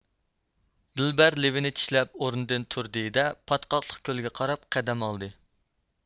دىلبەر لىۋىنى چىشلەپ ئورنىدىن تۇردى دە پاتقاقلىق كۆلگە قاراپ قەدەم ئالدى